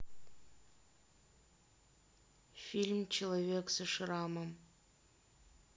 фильм человек со шрамом